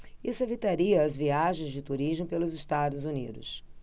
isso evitaria as viagens de turismo pelos estados unidos